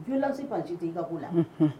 Jɔnlansi ban ji den i ka ko la